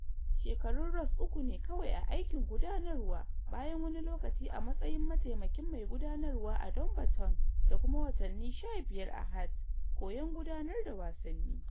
Shekarun Ross uku ne kawai a aikin gudanarwa, bayan wani lokaci a matsayin mataimakin mai gudanarwa a Dumbarton da kuma watanni 15 a Hearts 'koyon gudanar da wasanni.